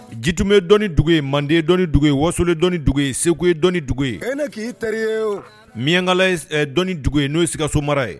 Jitu bɛ dɔn dugu ye mande dɔn dugu ye wasolilen dɔi dugu ye segu ye dɔn dugu ye e k'i ta ye miyankala ye dɔn dugu ye n'o sikaso mara ye